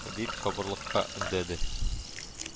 Дип, сабырлыкка өндәде